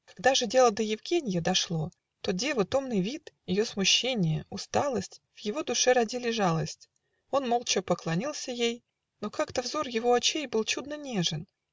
Когда же дело до Евгенья Дошло, то девы томный вид, Ее смущение, усталость В его душе родили жалость: Он молча поклонился ей, Но как-то взор его очей Был чудно нежен.